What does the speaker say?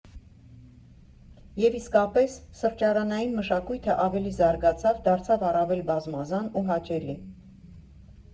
Եվ իսկապես, սրճարանային մշակույթը ավելի զարգացավ, դարձավ առավել բազմազան ու հաճելի։